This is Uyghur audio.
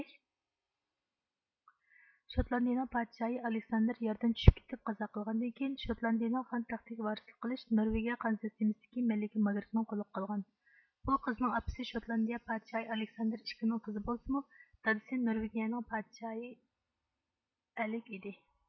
شوتلاندىيىنىڭ پادىشاھى ئالىكساندىر ياردىن چۈشۈپ كىتىپ قازا قىلغاندىن كىيىن شوتلاندىيىنىڭ خان تەختىگە ۋارسلىق قىلىش نورۋېگىيە قان سىسىتىمىسىدىكى مەلىكە ماگرىتنىڭ قولىغا قالغان بۇ قىزنىڭ ئاپىسى شوتلاندىيە پادىشاھى ئالىكساندىر ئىككى نىڭ قىزى بولسىمۇ دادىسى نورۋېگىيەنىڭ پادىشاھى ئەلىك ئىدى